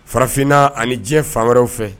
Farafinna ani jɛ fan wɛrɛraw fɛ